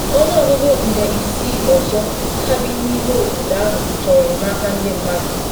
Ọnụọgụọgụ nde isii ọzọ ka bi n’ime obodo ahụ chọrọ enyemaka ndị mmadụ.